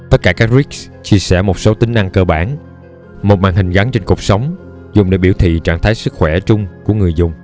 tất cả các rig chia sẻ một số tính năng cơ bản một màn hình gắn trên cột sống dùng để biểu thị trạng thái sức khỏe chung của người dùng